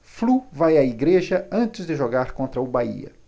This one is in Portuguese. flu vai à igreja antes de jogar contra o bahia